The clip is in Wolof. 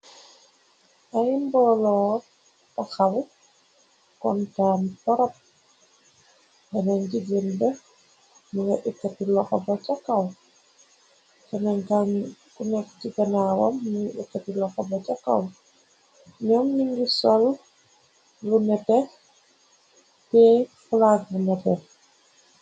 Ay mbooloo bu haley kontaam benen jigéen be ninga ikkati lohoba cha kaw. s Ku nekk ci ganaawam mu ikkati lohoba cha kaw ñoom ni ngi sol lu nete tè flag bu nètè.